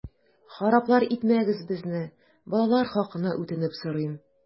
Хараплар итмәгез безне, балалар хакына үтенеп сорыйм!